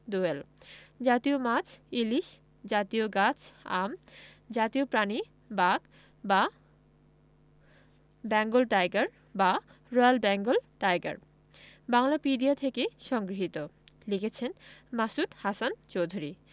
দোয়েল জাতীয় মাছঃ ইলিশ জাতীয় গাছঃ আম জাতীয় প্রাণীঃ বাঘ বা বেঙ্গল টাইগার বা রয়েল বেঙ্গল টাইগার বাংলাপিডিয়া থেকে সংগৃহীত লিখেছেন মাসুদ হাসান চৌধুরী